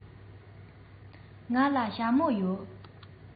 ང ལ ཞྭ མོ ཡོད